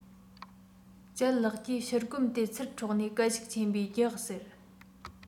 ལྗད ལགས ཀྱིས ཕྱུར སྐོམ དེ ཚུར འཕྲོག ནས སྐད ཤུགས ཆེན པོས རྒྱུགས ཟེར